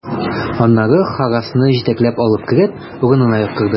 Аннары Харрасны җитәкләп алып кереп, урынына яткырды.